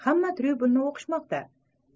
hamma tribyun ni o'qimoqda